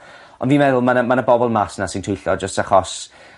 On' fi meddwl ma' 'na ma' 'na bobol mas 'na sy'n twyllo jyst achos